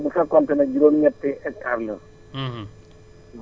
kon maanaam bu fekkoonte ne juróom-ñetti hectares la